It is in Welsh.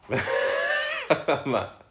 ma'...